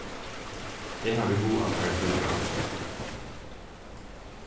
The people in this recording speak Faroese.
eg havi hug at fara í biograf